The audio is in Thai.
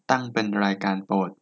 ตั้งเป็นรายการโปรด